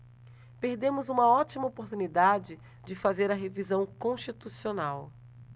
perdemos uma ótima oportunidade de fazer a revisão constitucional